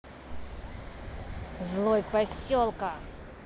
злой поселка